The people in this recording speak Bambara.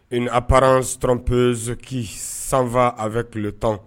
I apraransrpyzoki sanfa a bɛ tile tɔn